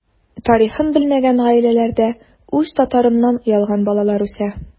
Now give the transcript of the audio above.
Тарихын белмәгән гаиләләрдә үз татарыннан оялган балалар үсә.